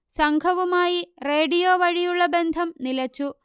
സംഘവുമായി റേഡിയോ വഴിയുള്ള ബന്ധം നിലച്ചു